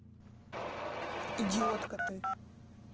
идиотка ты